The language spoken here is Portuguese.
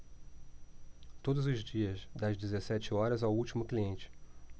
todos os dias das dezessete horas ao último cliente